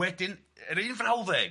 Wedyn yr un frawddeg,